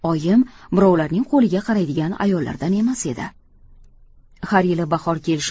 oyim birovlarning qo'liga qaraydigan ayollardan emas edi